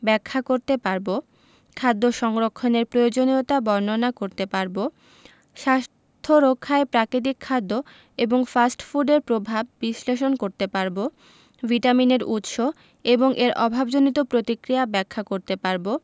ব্যাখ্যা করতে পারব খাদ্য সংরক্ষণের প্রয়োজনীয়তা বর্ণনা করতে পারব স্বাস্থ্য রক্ষায় প্রাকৃতিক খাদ্য এবং ফাস্ট ফুডের প্রভাব বিশ্লেষণ করতে পারব ভিটামিনের উৎস এবং এর অভাবজনিত প্রতিক্রিয়া ব্যাখ্যা করতে পারব